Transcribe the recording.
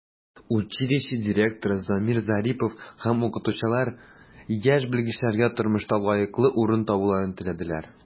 Училище директоры Замир Зарипов һәм укытучылар яшь белгечләргә тормышта лаеклы урын табуларын теләделәр.